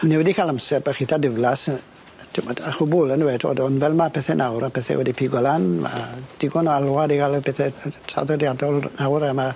Ni wedi ca'l amser bach eitha diflas yy t'mod a chwbwl on'd yw e t'mod on' fel ma' pethe nawr a pethe wedi pigo lan ma' digon o alwad i ga'l y pethe yy traddodiadol nawr a ma'